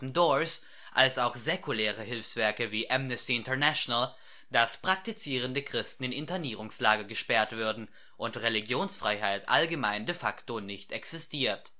Doors als auch säkulare Hilfswerke wie Amnesty International, dass praktizierende Christen in Internierungslager gesperrt würden und Religionsfreiheit allgemein de facto nicht existiert